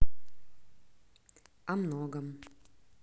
о многом